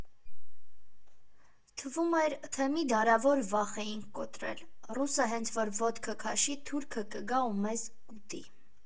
Թվում էր, թե մի դարավոր վախ էինք կոտրել (ռուսը հենց որ ոտքը քաշի, թուրքը կգա ու մեզ կուտի)։